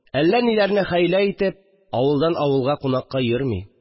Әллә ниләрне хәйлә итеп, авылдан авылга кунакка йөрми